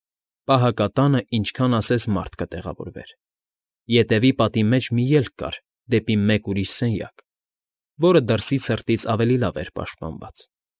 Պահակատանը ինչքան ասես մարդ կտեղավորվեր. ետևի պատի մեջ մի ելք կար դեպի մեկ ուրիշ սնեյակ, որը դրսի ցրտից ավելի լավ էր պաշտպանված։